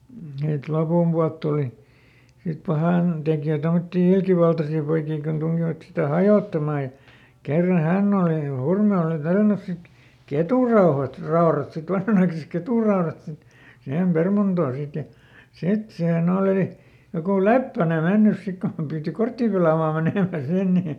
sitten lopunpuolta tuli sitten - pahantekijöitä tuommoisia ilkivaltaisia poikia kun tunkivat sitä hajottamaan ja kerran hän oli Hurme oli tällännyt sitten ketunraudat raudat sitten vanhanaikaiset ketunraudat sitten siihen permantoon sitten ja sitten siihen oli joku Leppänen mennyt sitten kun piti korttia pelaamaan menemän sinne niin